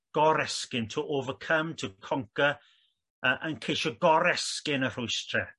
goresgyn to overcome to conquer yy yn ceisio goresgyn y rhwystre